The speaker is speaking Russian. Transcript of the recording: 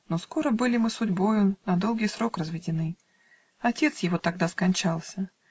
Но скоро были мы судьбою На долгой срок разведены. Отец его тогда скончался.